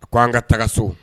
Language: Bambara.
A ko' an ka taga so